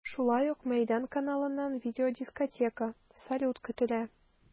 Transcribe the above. Шулай ук “Мәйдан” каналыннан видеодискотека, салют көтелә.